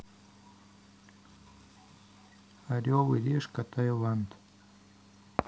орел и решка тайланд